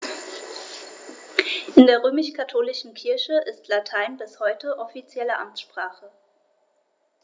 In der römisch-katholischen Kirche ist Latein bis heute offizielle Amtssprache.